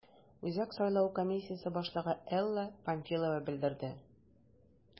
Үзәк сайлау комиссиясе башлыгы Элла Памфилова белдерде: